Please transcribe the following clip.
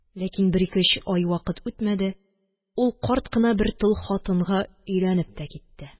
Ләкин бер ике-өч ай вакыт үтмәде, ул карт кына бер тол хатынга өйләнеп тә китте.